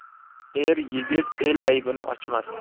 er yigit el aybini ochmas